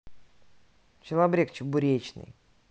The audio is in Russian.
челобрек чебуречный